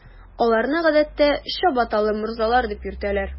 Аларны, гадәттә, “чабаталы морзалар” дип йөртәләр.